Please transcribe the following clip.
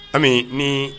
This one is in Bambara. Hali ni